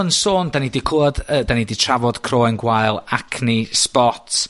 yn sôn, 'dan ni 'di clwad, yy 'dan ni 'di trafod croen gwael, acne, spots,